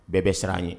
Bɛɛ bɛ siran an ye